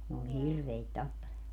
ne oli niin hirveitä tappelemaan